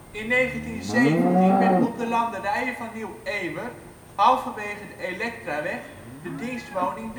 1917 werd op de landerijen van Nieuw Ewer halverwege de Electraweg de dienstwoning